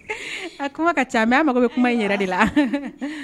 A kuma ka ca mais an mago bɛ kuma in yɛrɛ de la